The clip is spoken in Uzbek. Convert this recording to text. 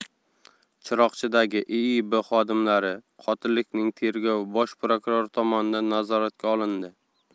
chiroqchidagi iib xodimlari qotilligining tergovi bosh prokuror tomonidan nazoratga olindi